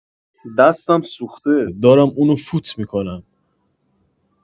دستم سوخته دارم اونو فوت می‌کنم